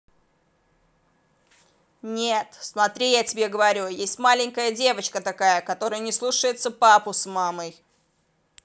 нет смотри я тебе говорю есть маленькая девочка такая которая не слушается папу с мамой